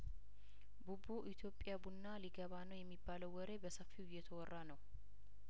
ቡቡ ኢትዮጵያ ቡና ሊገባ ነው የሚባለው ወሬ በሰፊው እየተወራ ነው